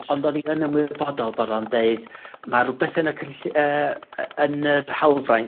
...ond o'n i yn ymwybodol bod o'n deud ma' rwbeth yn y cynll- yy, yn y hawlfraint